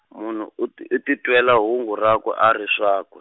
munhu u ti- i titwela hungu rakwe a ri swakwe.